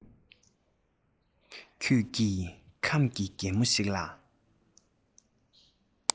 ཁྱོད ཀྱིས ཁམས ཀྱི རྒན མོ ཞིག ལ